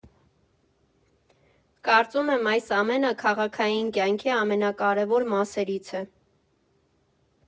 Կարծում եմ՝ այս ամենը քաղաքային կյանքի ամենակարևոր մասերից է։